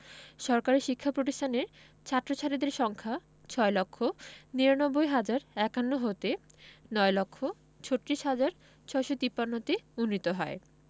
সরকারি শিক্ষা প্রতিষ্ঠানের ছাত্র ছাত্রীদের সংখ্যা ৬ লক্ষ ৯৯ হাজার ৫১ হতে ৯ লক্ষ ৩৬ হাজার ৬৫৩ তে উন্নীত হয়